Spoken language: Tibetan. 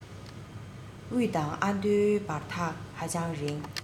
དབུས དང ཨ མདོའི བར ཐག ཧ ཅང རིང